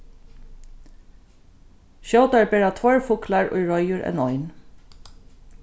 skjótari bera tveir fuglar í reiður enn ein